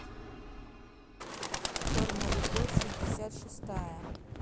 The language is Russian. черная любовь шестьдесят шестая